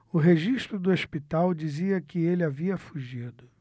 o registro do hospital dizia que ele havia fugido